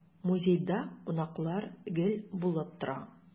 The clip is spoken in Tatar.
Музейда кунаклар гел булып тора.